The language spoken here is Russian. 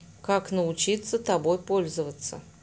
как научиться тобой пользоваться